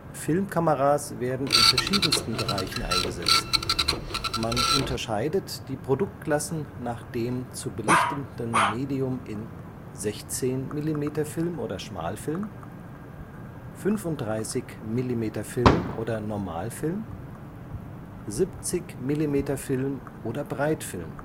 Filmkameras werden in verschiedensten Bereichen eingesetzt. Man unterscheidet die Produktklassen nach dem zu belichtenden Medium in 16-mm-Film oder Schmalfilm 35-mm-Film oder Normalfilm 70-mm-Film oder Breitfilm